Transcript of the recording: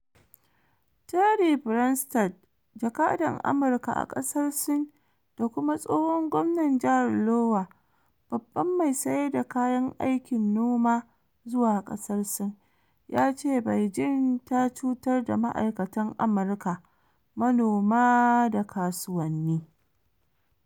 Terry Branstad, jakadan Amurka a kasar Sin da kuma tsohon gwamnan jihar Iowa, babban mai sayar da kayan aikin noma zuwa kasar Sin, ya ce Beijing ta cutar da ma'aikatan Amurka, manoma da kasuwanni.